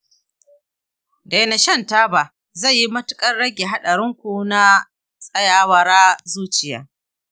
daina shan-taba zai yi matuƙar rage haɗarinku na tsayawara zuciya